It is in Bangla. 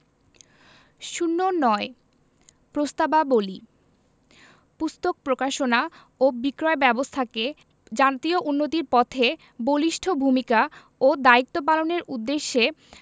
০৯ প্রস্তাবাবলী পুস্তক প্রকাশনা ও বিক্রয় ব্যাবস্থাকে জাতীয় উন্নতির পথে বলিষ্ঠ ভূমিকা ও দায়িত্ব পালনের উদ্দেশ্যে